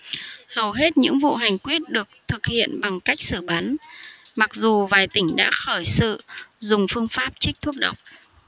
hầu hết những vụ hành quyết được thực hiện bằng cách xử bắn mặc dù vài tỉnh đã khởi sự dùng phương pháp chích thuốc độc